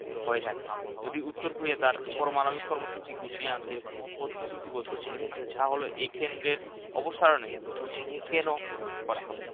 হয়ে থাকে যদি উত্তর কোরিয়া তার পরমাণবিক কর্মসূচি গুটিয়ে আনতে প্রতিশ্রুতিবদ্ধ হয় তাহলে এই কেন্দ্রের অবসারনের কেন করা হবে